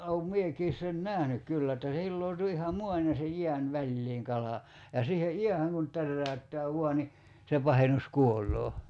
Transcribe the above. olen minäkin sen nähnyt kyllä että se hilautui ihan maan ja sen jään väliin kala ja siihen jäähän kun täräyttää vain niin se pahus kuolee